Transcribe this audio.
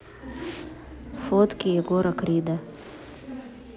фотки егора крида